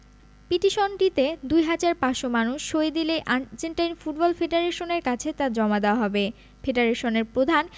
পিটিশনটিতে ২ হাজার ৫০০ মানুষ সই দিলেই আর্জেন্টাইন ফুটবল ফেডারেশনের কাছে তা জমা দেওয়া হবে ফেডারেশনের প্রধান